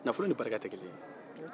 nafolo ni barika tɛ kelen ye